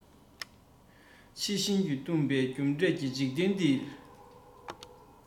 ཕྱི ཤུན གྱིས བཏུམ པའི རྒྱུ འབྲས ཀྱི འཇིག རྟེན འདི